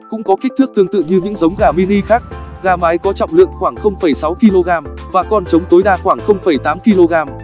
cũng có kích thước tương tự như những giống gà mini khác gà mái có trọng lượng khoảng kg và con trống tối đa khoảng kg